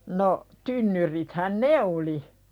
no tynnyrithän ne oli